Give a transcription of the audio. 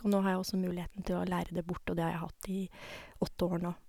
Og nå har jeg også muligheten til å lære det bort, og det har jeg hatt i åtte år nå.